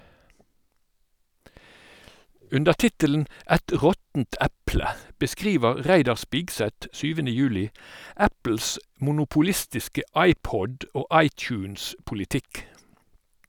Under tittelen "Et råttent eple" beskriver Reidar Spigseth 7. juli Apples monopolistiske iPod- og iTunes-politikk.